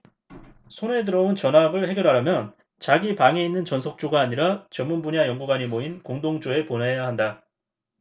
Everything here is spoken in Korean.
손에 들어온 전합을 해결하려면 자기 방에 있는 전속조가 아니라 전문분야 연구관이 모인 공동조에 보내야 한다